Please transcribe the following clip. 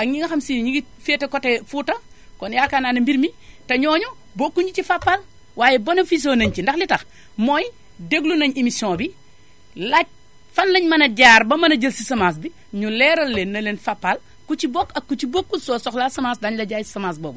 ak ñi nga xam si ñi ngi féete côté Fouta kon yaakaar naa ne mbir mi te ñooñu bokkuñu ci Fapal waaye bonofisoo nañu si ndax li tax mooy déglu nañu émission bi laaj fan lañu mën a jaar ba mën a jël si semence bi ñu leeralal leen ne leen Fapal ku ci bokk ak ku ci bokkul soo soxlaa semence daañu la jaay semence boobu